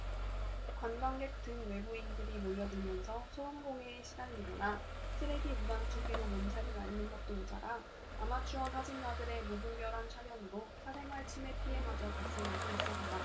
관광객 등 외부인들이 몰려 들면서 소음 공해에 시달리거나 쓰레기 무단 투기로 몸살을 앓는 것도 모자라 아마추어 사진가들의 무분별한 촬영으로 사생활 침해 피해마저 발생하고 있어서다